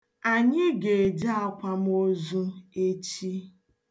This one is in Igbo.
Anyị ga-eje akwamoozu echi.